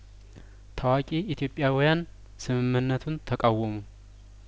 ታዋቂ ኢትዮጵያዊያን ስምምነቱን ተቃወሙ